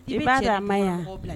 I b'a a ma yan